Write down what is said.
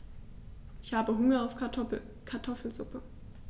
Ich habe Hunger auf Kartoffelsuppe.